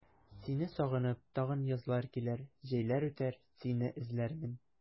Сине сагынып тагын язлар килер, җәйләр үтәр, сине эзләрмен.